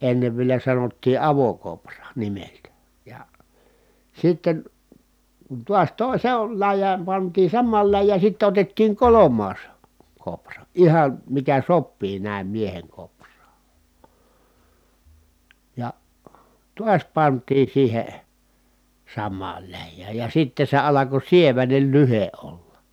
ennen vielä sanottiin avokoura nimeltään ja sitten kun taas - se on läjään pantiin samaan läjään sitten otettiin kolmas koura ihan mikä sopii näin miehen kouraan ja taas pantiin siihen samaan läjään ja sitten se alkoi sieväinen lyhde olla